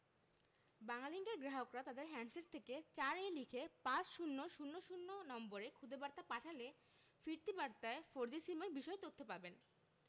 বাংলালিংকের গ্রাহকরা তাদের হ্যান্ডসেট থেকে ৪ এ লিখে পাঁচ শূণ্য শূণ্য শূণ্য নম্বরে খুদে বার্তা পাঠালে ফিরতি বার্তায় ফোরজি সিমের বিষয়ে তথ্য পাবেন